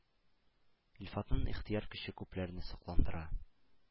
Илфатның ихтыяр көче күпләрне сокландыра: